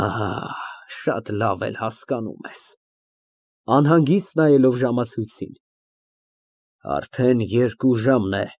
Ահա, շատ լավ ես հասկանում։ (Անհանգիստ նայելով ժամացույցին) Արդեն երկու ժամն է։